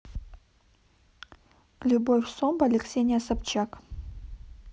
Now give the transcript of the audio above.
любовь соболь и ксения собчак